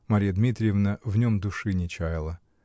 Марья Дмитриевна в нем души не чаяла.